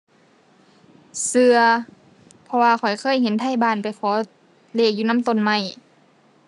เชื่อ เพราะว่าข้อยเคยเห็นไทบ้านไปขอเลขอยู่นำต้นไม้